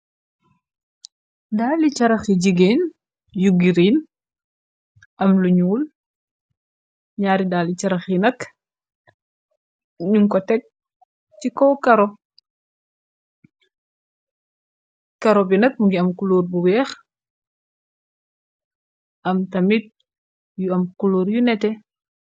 Daali charah yu jigéen yu green am lu ñuul ñaari daali charah yi nak nung ko tèg chi ko karo. Karo bi nak mungi am kuluor bu weeh am tamit yu am kulóor yu nete.